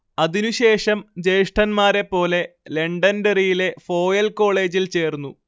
അതിനു ശേഷം ജ്യേഷ്ഠന്മാരെപ്പോലെ ലണ്ടൻഡെറിയിലെ ഫോയൽ കോളേജിൽ ചേർന്നു